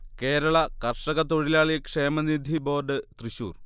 കേരള കർഷക തൊഴിലാളി ക്ഷേമനിധി ബോർഡ് തൃശ്ശൂർ